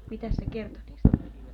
mitäs se kertoi niistä